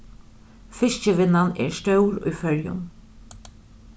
fiskivinnan er stór í føroyum